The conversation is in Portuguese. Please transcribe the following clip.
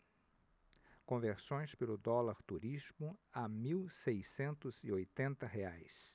conversões pelo dólar turismo a mil seiscentos e oitenta reais